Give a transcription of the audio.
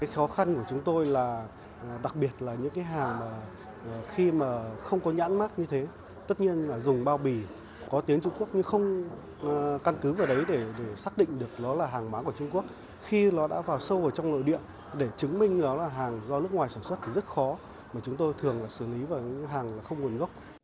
cái khó khăn của chúng tôi là đặc biệt là những khách hàng mà khi mà không có nhãn mác như thế tất nhiên là dùng bao bì có tiếng trung quốc như không căn cứ vào đấy để để xác định được nó là hàng hóa của trung quốc khi nó đã vào sâu trong nội địa để chứng minh đó là hàng do nước ngoài sản xuất thì rất khó mà chúng tôi thường xử lý vào những hàng không nguồn gốc